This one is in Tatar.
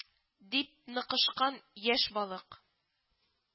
Дип ныкышкан яшь балык